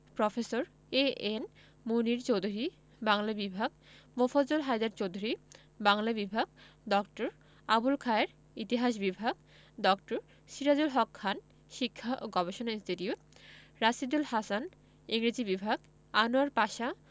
Professor A N Munir Chowdhury Bangla বিভাগ মোফাজ্জল হায়দার চৌধুরী বাংলা বিভাগ ড. আবুল খায়ের ইতিহাস বিভাগ ড. সিরাজুল হক খান শিক্ষা ও গবেষণা ইনস্টিটিউট রাশীদুল হাসান ইংরেজি বিভাগ আনোয়ার পাশা